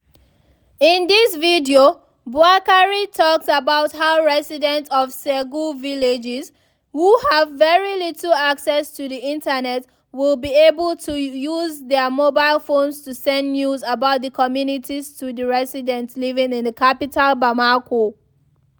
In this video, Boukary talks about how residents of Ségou villages, who have very little access to the internet will be able to to use their mobile phones to send news about the communities to the residents living in the capital Bamako.